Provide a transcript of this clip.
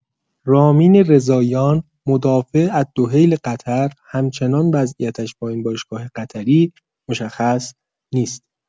رامین‌رضاییان، مدافع الدحیل قطر همچنان وضعیتش با این باشگاه قطری مشخص نیست.